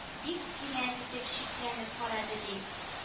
Бик тирән итеп шикләнеп карады, ди